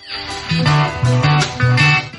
San